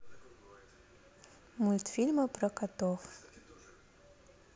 мультфильмы про котов